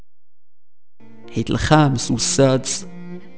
الخامس والسادس